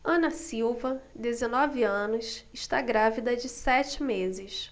ana silva dezenove anos está grávida de sete meses